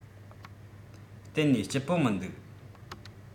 གཏན ནས སྐྱིད པོ མི འདུག